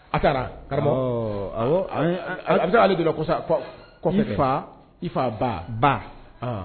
A taara kara a bɛ' ko sa fa i fa ba ba